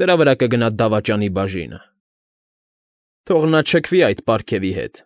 Դրա վրա կգնա դավաճանի բաժինը, թող նա չքվի այդ պարգևի հետ,